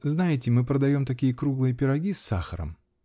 Знаете, мы продаем такие круглые пироги с сахаром.